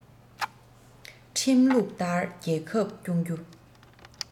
ཁྲིམས ལུགས ལྟར རྒྱལ ཁབ སྐྱོང རྒྱུ